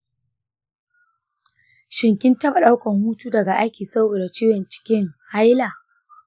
shin kin taɓa ɗaukar hutu daga aiki saboda ciwon cikin haila?